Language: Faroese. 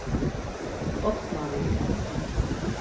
botnavegur